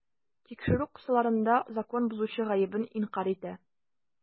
Тикшерү кысаларында закон бозучы гаебен инкарь итә.